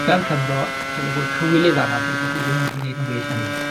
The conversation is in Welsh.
Fel Cymro, dyle fod cywilydd arnoch chi bo' chi ddim yn gallu neud yn well na hyn.